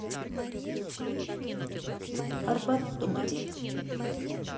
арбат дом один